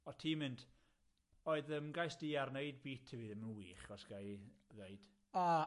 O' ti'n mynd, oedd ymgais di ar wneud beat i fi ddim yn wych, os gai ddeud? A!